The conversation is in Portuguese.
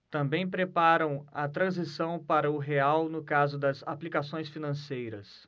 também preparam a transição para o real no caso das aplicações financeiras